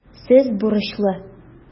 Сез бурычлы.